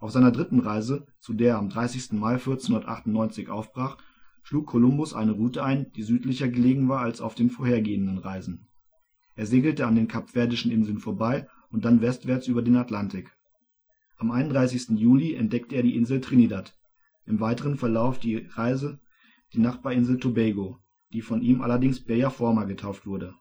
seiner dritten Reise, zu der er am 30. Mai 1498 aufbrach, schlug Kolumbus eine Route ein, die südlicher gelegen war als auf den vorhergehenden Reisen. Er segelte an den Kapverdischen Inseln vorbei und dann westwärts über den Atlantik. Am 31. Juli entdeckte er die Insel Trinidad, im weiteren Verlauf der Reise die Nachbarinsel Tobago, die von ihm allerdings Bella Forma getauft wurde